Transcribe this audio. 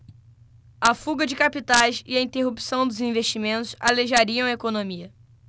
a fuga de capitais e a interrupção dos investimentos aleijariam a economia